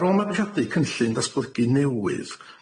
Ar ôl mabwyshadu cynllun ddatblygu newydd,